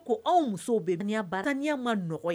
Ko anw musow be taniya baar taniya ma nɔgɔ yɛ